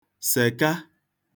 sèka